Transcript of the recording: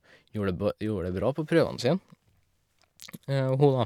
gjorde det ba Gjorde det bra på prøvene sine, hun, da.